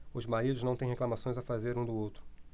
os maridos não têm reclamações a fazer um do outro